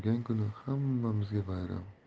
kuni hammamizga bayram